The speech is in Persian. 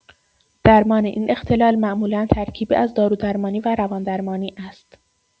درمان این اختلال معمولا ترکیبی از دارودرمانی و روان‌درمانی است.